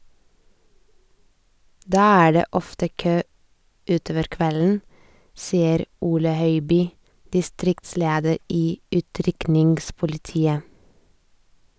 Da er det ofte kø utover kvelden, sier Ole Høiby, distriktsleder i utrykningspolitiet.